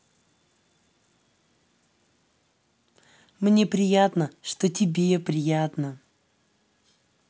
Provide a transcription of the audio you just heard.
мне приятно что тебе приятно